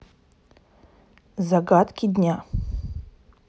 загадки дня